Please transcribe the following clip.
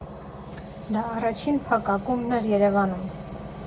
Դա առաջին փակ ակումբն էր Երևանում։